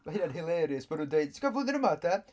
Ma' hynna'n hilarious bod nhw'n deud "Ti'n gwybod flwyddyn yma de?"